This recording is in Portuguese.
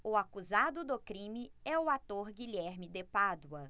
o acusado do crime é o ator guilherme de pádua